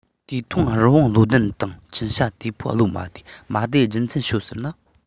དེ མཐོང རི བོང བློ ལྡན དང ཁྱིམ བྱ དེ ཕོ བློ མ བདེ མ བདེའི རྒྱུ མཚན ཤོད ཟེར ན